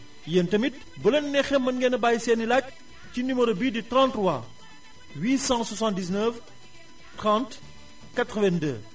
yéen tamit bu leen neexee mën ngeen a bàyyi seen i laaj ci numéro bii di 33 879 30 82